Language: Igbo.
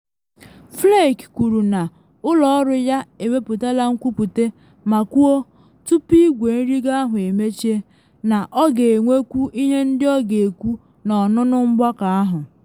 Flake kwuru na ụlọ ọrụ ya ewepụtala nkwupute ma kwuo, tupu igwe nrigo ahụ emechie, na ọ ga-enwekwu ihe ndị ọ ga-ekwu n’ọnụnụ mgbakọ ahụ.